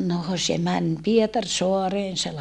no se meni Pietarsaareen se -